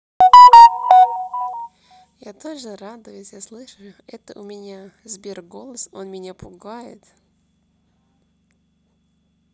я тоже радуюсь я слышу это у меня сбер голос он меня пугает